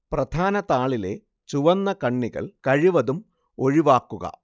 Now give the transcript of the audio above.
പ്രധാനതാളിലെ ചുവന്നകണ്ണികള്‍ കഴിവതും ഒഴിവാക്കുക